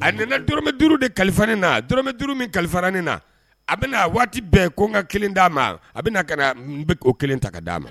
A nana dmɛ duuru de kalifain na dmɛ duuru min kalifain na a bɛna waati bɛɛ ko n ka kelen d'a ma a bɛna ka na o kelen ta d dia ma